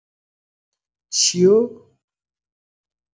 چیو؟